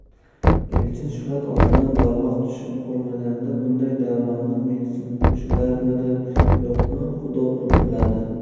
elchin shuhrat otidan barvaqt tushib qolmaganida bunday davrani mensib qo'shilarmidi yo'qmi xudo biladi